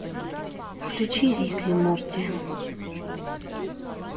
включи рик и морти